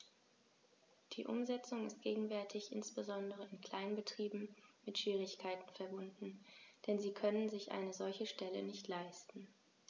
Die Umsetzung ist gegenwärtig insbesondere in kleinen Betrieben mit Schwierigkeiten verbunden, denn sie können sich eine solche Stelle nicht leisten.